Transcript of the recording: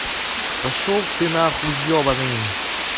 пошел ты нахуй ебаный